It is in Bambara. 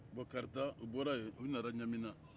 bɔn karata u bɔra yen u nana ɲamina